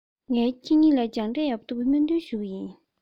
ངས ཁྱེད གཉིས ལ སྦྱངས འབྲས ཡག པོ ཐོབ པའི སྨོན འདུན ཞུ གི ཡིན